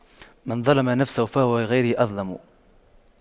من ظَلَمَ نفسه فهو لغيره أظلم